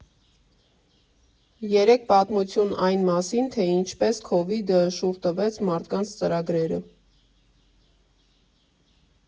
Երեք պատմություն այն մասին, թե ինչպես քովիդը շուռ տվեց մարդկանց ծրագրերը։